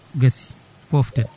gaasi poften